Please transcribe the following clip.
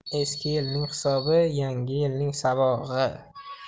eski yilning hisobi yangi yilning sabog'i